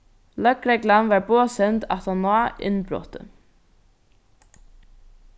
løgreglan var boðsend aftan á innbrotið